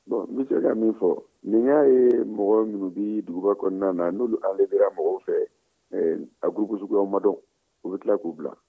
bon n bɛ se ka min fɔ ni y'a ye mɔgɔ minnu bɛ duguba kɔnɔna na n'olu enlevera mɔgɔw fɛ a gurupu suguya ma dɔn u bɛ tila k'u bila